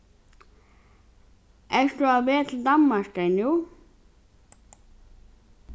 ert tú á veg til danmarkar nú